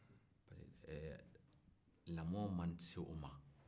ɛɛ lamɔ ma se o ma